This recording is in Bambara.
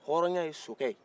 hɔrɔnya ye sokɛ ye